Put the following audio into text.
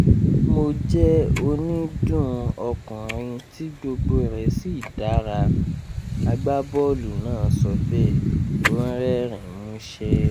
Mo jẹ́ onídùn ọkùnrin tí gbogbo rẹ̀ sì dára, " agbábọ̀ọ̀lù náa sọ bẹ́ẹ̀, ó ń rẹ́rín múṣẹ́.